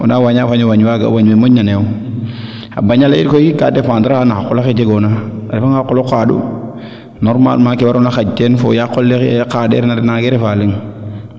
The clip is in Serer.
ona wañaa o fañ wee moƴna neew a bañale yit koy kaa dependre naxa qola xe jegoona a refa nga o qolo xaandu normalement ke waroona xaƴteen fo yaa qol le xandeer na naange refa leŋ